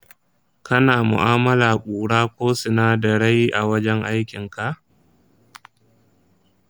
kana mu'amala ƙura ko sinadarai a wajen aikinka?